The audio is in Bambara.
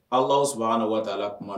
Aw'aw sɔrɔ an na waati la kuma